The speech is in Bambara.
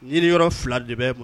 Ɲin yɔrɔ fila de bɛ kuwa